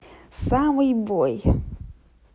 самый бой